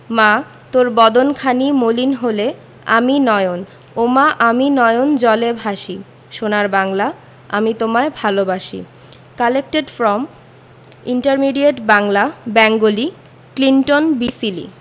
মা তোর বদন খানি মলিন হলে ওমা আমি নয়ন ওমা আমি নয়ন জলে ভাসি সোনার বাংলা আমি তোমায় ভালবাসি collected from intermediate Bangla Bengali Clinton B Seely